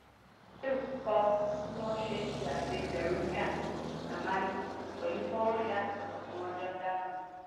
Peru - Kọ́ bí o ṣe lè se àsè Peruvian, tamales, pẹ̀lú fọ́nràn ìyá àti ọmọ tí wọ́n jọ ń dáná yìí.